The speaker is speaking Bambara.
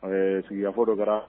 Ɛɛ sigifɔ dɔ kɛra